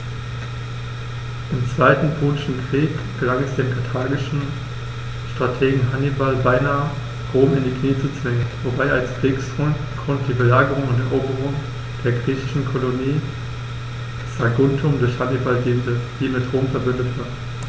Im Zweiten Punischen Krieg gelang es dem karthagischen Strategen Hannibal beinahe, Rom in die Knie zu zwingen, wobei als Kriegsgrund die Belagerung und Eroberung der griechischen Kolonie Saguntum durch Hannibal diente, die mit Rom „verbündet“ war.